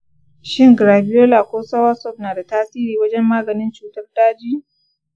shin graviola ko soursop na da tasiri wajen maganin cutar daji?